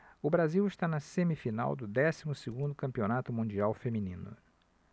o brasil está na semifinal do décimo segundo campeonato mundial feminino